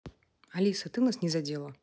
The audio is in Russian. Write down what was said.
алиса ты нас не задела